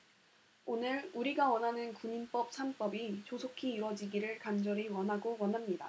오늘 우리가 원하는 군인법 삼 법이 조속히 이뤄지기를 간절히 원하고 원합니다